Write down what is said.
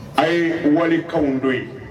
A ye walikaw don ye